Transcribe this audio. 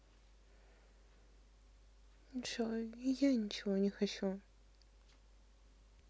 джой я ничего не хочу